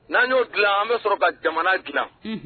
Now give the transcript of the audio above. N'an y'o dilan an bɛ sɔrɔ ka jamana dilan, unh